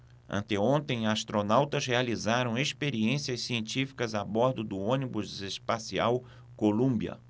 anteontem astronautas realizaram experiências científicas a bordo do ônibus espacial columbia